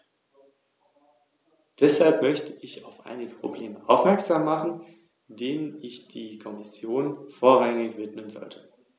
Im Hinblick auf diese Umsetzung müssen wir außerdem angemessene Vereinbarungen mit den osteuropäischen Ländern treffen, da sie erst ab 1. Juli 2001, also in anderthalb Jahren, den entsprechenden Übereinkommen beitreten werden.